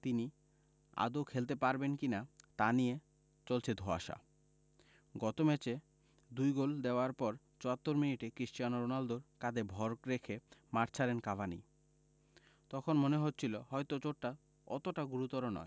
তিনি আদৌ খেলতে পারবেন কি না তা নিয়ে চলছে ধোঁয়াশা গত ম্যাচে দুই গোল দেওয়ার পর ৭৪ মিনিটে ক্রিস্টিয়ানো রোনালদোর কাঁধে ভর রেখে মাঠ ছাড়েন কাভানি তখন মনে হচ্ছিল হয়তো চোটটা অতটা গুরুতর নয়